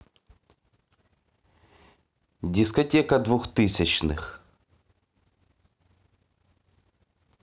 дискотека двухтысячных